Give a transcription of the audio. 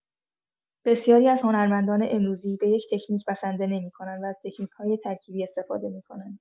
بسیاری از هنرمندان امروزی به یک تکنیک بسنده نمی‌کنند و از تکنیک‌های ترکیبی استفاده می‌کنند.